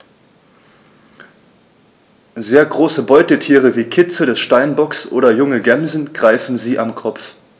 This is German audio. Sehr große Beutetiere wie Kitze des Steinbocks oder junge Gämsen greifen sie am Kopf.